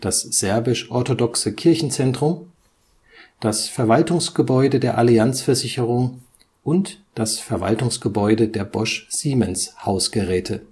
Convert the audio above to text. Serbisch-Orthodoxes Kirchenzentrum / Architekt: Stephan Braunfels / 1993 Verwaltungsgebäude der Allianz-Versicherung (vormals Vereinte Versicherungen) / Architekten: Ulrike Lauber und Wolfram Wöhr / 1990 – 1996 Verwaltungsgebäude der Bosch-Siemens Hausgeräte